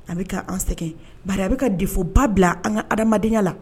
A bɛ ka an sɛgɛn bara a bɛ ka defoba bila an ka adamadenya la